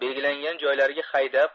belgilangan joylariga hay dab